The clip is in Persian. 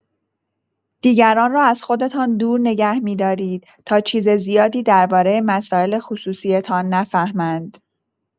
دیگران را از خودتان دور نگه می‌دارید تا چیز زیادی درباره مسائل خصوصی‌تان نفهمند.